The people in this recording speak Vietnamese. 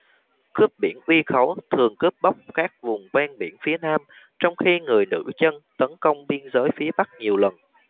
cướp biển uy khấu thường cướp bóc các vùng ven biển phía nam trong khi người nữ chân tấn công biên giới phía bắc nhiều lần